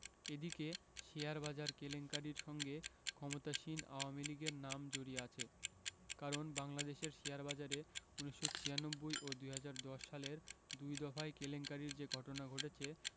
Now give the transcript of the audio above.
এদিকে শেয়ারবাজার কেলেঙ্কারির সঙ্গে ক্ষমতাসীন আওয়ামী লীগের নাম জড়িয়ে আছে কারণ বাংলাদেশের শেয়ারবাজারে ১৯৯৬ ও ২০১০ সালের দুই দফায় কেলেঙ্কারির যে ঘটনা ঘটেছে